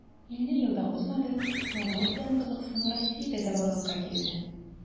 50 ел да узмады, сноуборд белән кызыксыну россиядә дә барлыкка килде.